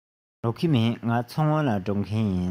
ལོག གི མིན ང མཚོ སྔོན ལ འགྲོ མཁན ཡིན